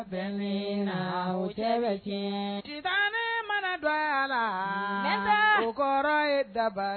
Fɛn min na, o bɛ tiɲɛ, sitan mana don a la ,o kɔrɔ ye dabaa